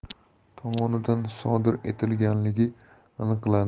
tomonidan sodir etilganligi aniqlandi